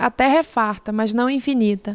a terra é farta mas não infinita